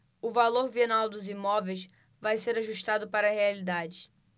o valor venal dos imóveis vai ser ajustado para a realidade